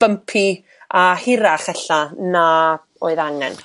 bumpy a hirach ella na oedd angen. Ond mae' hwnnan o reit iachsyt.